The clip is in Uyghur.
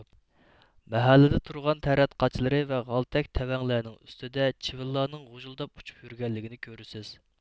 مەھەللىدە تۇرغان تەرەت قاچىلىرى ۋە غالتەك تەۋەڭلەرنىڭ ئۈستىدە چىۋىنلارنىڭ غۇژۇلداپ ئۇچۇپ يۈرگەنلىكىنى كۆرىسىز